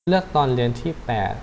เลือกตอนเรียนที่แปด